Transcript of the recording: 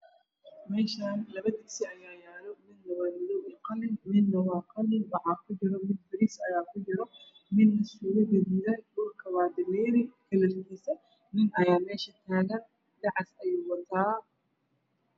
Meeshaan labo digsi ayaa yaalo midi waa madow iyo qalin. Midna waa qalin mid bariis ayaa kujiro midna suugo ayaa ku jiro dhulka waa dameeri nin ayaa meesha taagan dacas ayuu wataa.